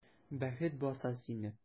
Бәхет баса сине!